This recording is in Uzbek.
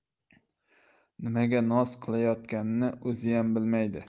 nimaga noz qilayotganini o'ziyam bilmaydi